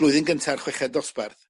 blwyddyn gynta'r chweched dosbarth